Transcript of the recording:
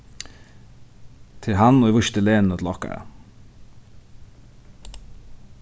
tað er hann ið vísti lenu til okkara